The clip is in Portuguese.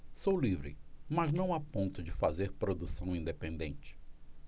sou livre mas não a ponto de fazer produção independente